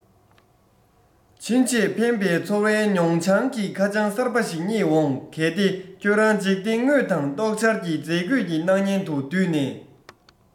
ཕྱིན ཆད ཕན པའི ཚོར བའི མྱོང བྱང གི ཁ བྱང གསར པ ཞིག རྙེད འོང གལ ཏེ ཁྱོད རང འཇིག རྟེན དངོས དང རྟོག འཆར གྱི མཛེས བཀོད ཀྱི སྣང བརྙན དུ བསྡུས ནས